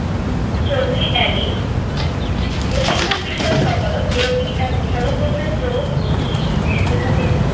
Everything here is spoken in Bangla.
চৌধুরী এ্যানি প্রশিক্ষণ বিষয়ক সম্পাদক A B M Mosharraf Hossain প্রমুখ উপস্থিত ছিলেন ইত্তফাকের